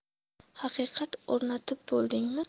haqiqat o'rnatib bo'ldingmi